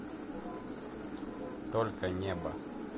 только небо